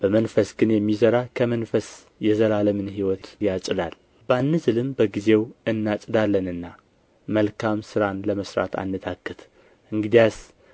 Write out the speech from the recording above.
በመንፈስ ግን የሚዘራው ከመንፈስ የዘላለምን ሕይወት ያጭዳል ባንዝልም በጊዜው እናጭዳለንና መልካም ሥራን ለመሥራት አንታክት እንግዲያስ